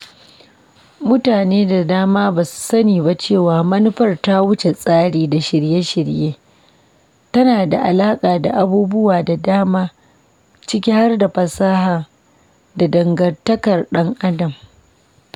Mutane da dama ba su sani ba cewa manufar ta wuce tsari da shirye-shiriye — tana da alaƙa da abubuwa da dama, ciki har da fasaha da dangantakar ɗan Adam.